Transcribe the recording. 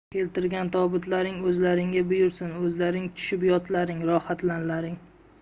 keltirgan tobutlaring o'zlaringga buyursin o'zlaring tushib yotlaring rohatlanlaring